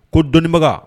Ko dɔnnibaga